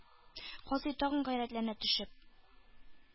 Казый, тагын гайрәтләнә төшеп: